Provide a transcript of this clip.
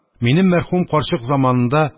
Минем мәрхүмә карчык заманында